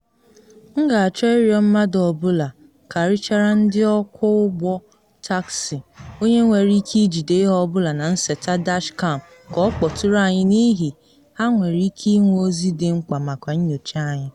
M ga-achọ ịrịọ mmadụ ọ bụla, karịchara ndị ọkwọ ụgbọ taksị, onye nwere ike ijide ihe ọ bụla na nseta dashkam ka ọ kpọtụrụ anyị n’ihi ha nwere ike ịnwe ozi dị mkpa maka nnyocha anyị.’